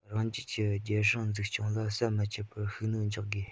རང རྒྱལ གྱི རྒྱལ སྲུང འཛུགས སྐྱོང ལ ཟམ མི ཆད པར ཤུགས སྣོན རྒྱག དགོས